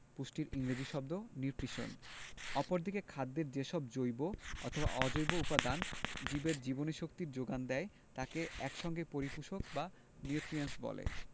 পুষ্টির ইংরেজি শব্দ নিউট্রিশন অপরদিকে খাদ্যের যেসব জৈব অথবা অজৈব উপাদান জীবের জীবনীশক্তির যোগান দেয় তাদের এক সঙ্গে পরিপোষক বা নিউট্রিয়েন্টস বলে